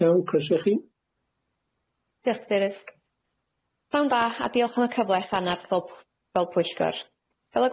Iawn croeso i chi. Diolch . Pnawn da a diolch am y cyfla i fel pwyllgor. Fel y